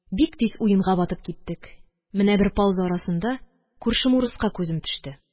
Бик тиз уенга батып киттек. Менә бер пауза арасында күршем урыска күзем төште.